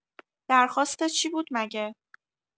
درخواست چی بود مگه؟